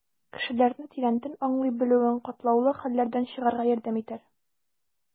Кешеләрне тирәнтен аңлый белүең катлаулы хәлләрдән чыгарга ярдәм итәр.